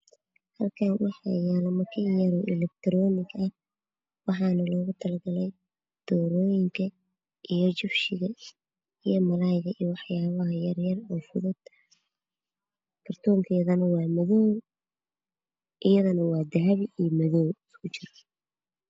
Maxaa yaalo qaabka electronic oo loogu talagalay in lagu shiido malaayga hilibka kalarkiisu waa madow kartoon ee ag yaalo waana midow miiska waa qaxo